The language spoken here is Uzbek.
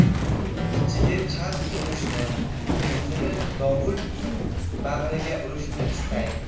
kichigi charx urishni o'zini dovul bag'riga urishni istaydi